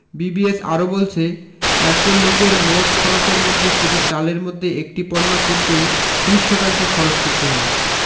BBS আরও বলছে একজন লোকের মোট খরচের মধ্যে শুধু চালের মতো একটি পণ্য কিনতেই ২০ শতাংশ খরচ করতে হয়